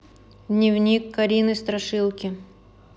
дневник карины страшилки